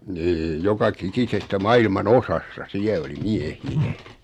niin joka ikisestä maailman osasta siellä oli miehiä